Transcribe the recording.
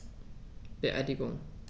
Beerdigung